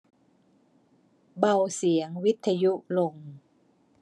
เบาเสียงวิทยุลง